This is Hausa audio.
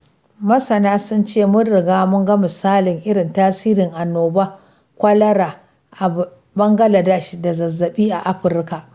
Masana sun ce, mun riga mun ga misalin irin tasirin annobar kwalara a Bangaladsh da zazzaɓi a Afirka.